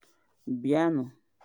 Bịanụ.”